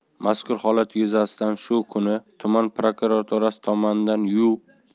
mazkur holat yuzasidan shu kuni tuman prokuraturasi tomonidan yu